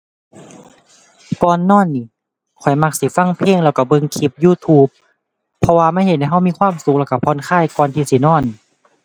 ก่อนนอนหนิ ข้อยมักสิฟังเพลงแล้วก็เบิ่งคลิป YouTube เพราะว่ามันเฮ็ดให้ก็มีความสุขแล้วก็ผ่อนคลายก่อนที่สินอน